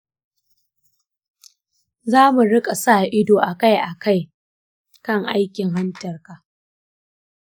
za mu rika sa ido akai-akai kan aikin hantarka.